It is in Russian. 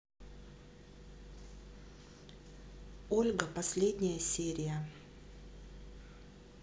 ольга последняя серия